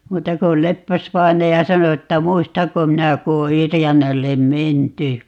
muuta kuin Leppäs-vainaja sanoi että muistanko minä kun on Yrjänälle menty